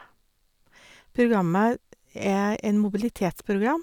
Programmet er en mobilitetsprogram.